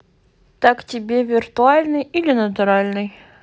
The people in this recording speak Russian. так тебе виртуальный или натуральный